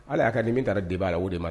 Hali'a ka nin min taara d b'a la o de ma